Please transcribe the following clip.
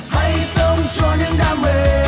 hãy sống cho những đam mê